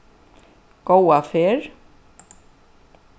góða ferð